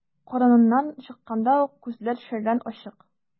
Карыныннан чыкканда ук күзләр шәрран ачык.